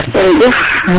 jerejef